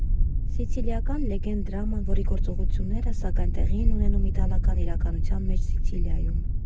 Սիցիլիական լեգենդ» դրաման, որի գործողությունները, սակայն, տեղի են ունենում իտալական իրականության մեջ՝ Սիցիլիայում։